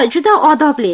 juda odobli